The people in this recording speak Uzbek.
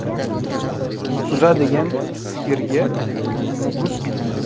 suzadigan sigirga muguz bitmas